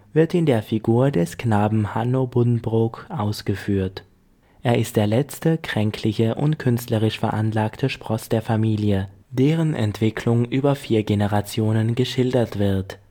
wird in der Figur des Knaben Hanno Buddenbrook ausgeführt. Er ist der letzte, kränkliche und künstlerisch veranlagte Spross der Familie, deren Entwicklung über vier Generationen geschildert wird